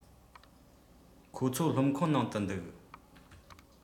ཁོ ཚོ སློབ ཁང ནང དུ འདུག